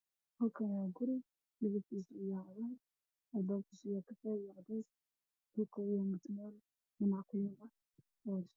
Meshaan waa guri midab kiisu yahay cadeys albaab kiisu yahay kafee iyo cadaan